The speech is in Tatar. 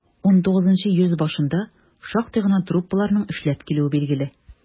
XIX йөз башында шактый гына труппаларның эшләп килүе билгеле.